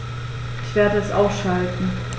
Ich werde es ausschalten